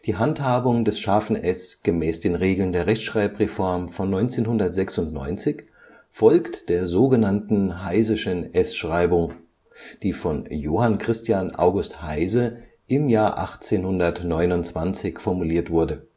Handhabung des ß gemäß den Regeln der Rechtschreibreform von 1996 folgt der sogenannten Heyseschen s-Schreibung, die von Johann Christian August Heyse im Jahr 1829 formuliert wurde